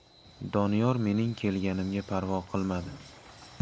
doniyor mening kelganimga parvo qilmadi